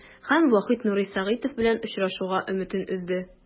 Һәм Вахит Нури Сагитов белән очрашуга өметен өзде.